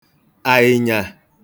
àị̀nyà